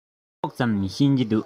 ཏོག ཙམ ཤེས ཀྱི འདུག